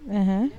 Ɛnhɛn